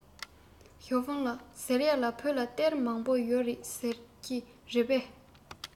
ཞའོ ཧྥུང ལགས ཟེར ཡས ལ བོད ལ གཏེར མང པོ ཡོད རེད ཟེར གྱིས རེད པས